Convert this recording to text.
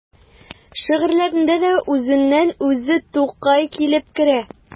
Шигырьләренә дә үзеннән-үзе Тукай килеп керә.